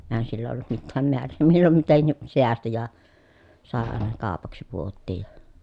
eihän sillä ollut mitään määrää milloin mitenkin säästi ja sai aina kaupaksi puotiin ja